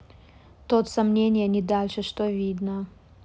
тот сомнения не дальше что видно